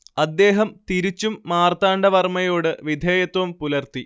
അദ്ദേഹം തിരിച്ചും മാർത്താണ്ഡ വർമ്മയോട് വിധേയത്വം പുലർത്തി